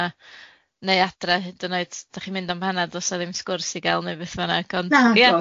na neu adre hyd yn oed dach chi'n mynd am banad dos na ddim sgwrs i gal ne beth bynnag ond ia.